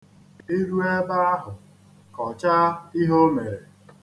I rue ebe ahụ, kọchaa ihe o mere.